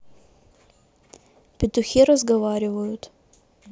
петухи разговаривают